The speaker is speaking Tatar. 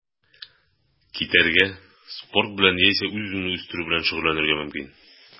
Китәргә, спорт белән яисә үз-үзеңне үстерү белән шөгыльләнергә мөмкин.